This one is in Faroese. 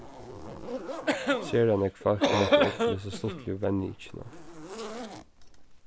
sera nógv fólk møttu upp til hesa stuttligu venjingina